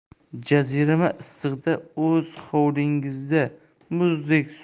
jazirama issiqda o'z hovlingizda muzdek